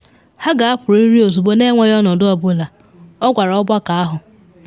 “Ha ga-apụrịrị ozugbo na enweghị ọnọdụ ọ bụla,” ọ gwara ọgbakọ ahụ.